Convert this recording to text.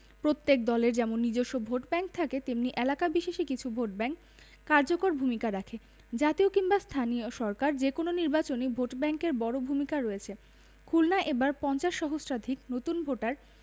প্রত্যেক দলের যেমন নিজস্ব ভোটব্যাংক থাকে তেমনি এলাকা বিশেষে কিছু ভোটব্যাংক কার্যকর ভূমিকা রাখে জাতীয় কিংবা স্থানীয় সরকার যেকোনো নির্বাচনেই ভোটব্যাংকের বড় ভূমিকা রয়েছে খুলনায় এবার ৫০ সহস্রাধিক নতুন ভোটার